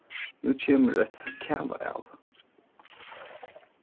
nú kemur eitt kavaæl